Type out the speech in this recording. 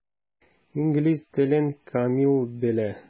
Инглиз телен камил белә.